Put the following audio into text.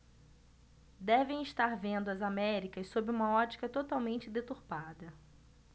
devem estar vendo as américas sob uma ótica totalmente deturpada